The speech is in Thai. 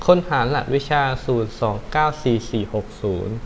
ค้นหารหัสวิชาศูนย์สองเก้าสี่สี่หกศูนย์